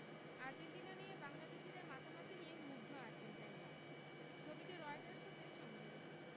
Argentina নিয়ে বাংলাদেশিদের মাতামাতি নিয়ে মুগ্ধ আর্জেন্টাইনরা ছবিটি রয়টার্স হতে সংগৃহীত